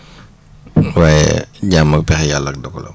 waaye jaam ak pexe yàlla ak dogalam